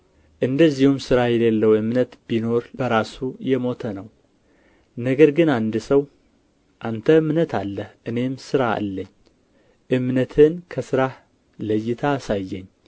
እንደዚሁም ሥራ የሌለው እምነት ቢኖር በራሱ የሞተ ነው ነገር ግን አንድ ሰው አንተ እምነት አለህ እኔም ሥራ አለኝ እምነትህን ከሥራህ ለይተህ አሳየኝ